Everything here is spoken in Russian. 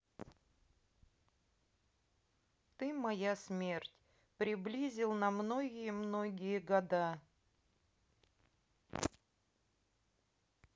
ты моя смерть приблизил на многие многие года